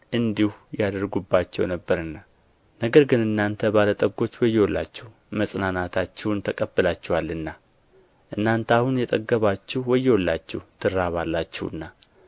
እንዲህ ያደርጉባቸው ነበርና ነገር ግን እናንተ ባለ ጠጎች ወዮላችሁ መጽናናታችሁን ተቀብላችኋልና እናንተ አሁን የጠገባችሁ ወዮላችሁ ትራባላችሁና